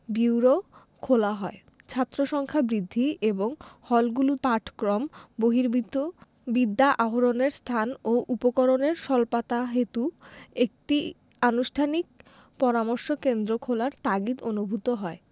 bureau খোলা হয় ছাত্রসংখ্যা বৃদ্ধি এবং হলগুলিতে পাঠক্রম বহির্ভূত বিদ্যা আহরণের স্থান ও উপকরণের স্বল্পতাহেতু একটি আনুষ্ঠানিক পরামর্শ কেন্দ্র খোলার তাগিদ অনুভূত হয়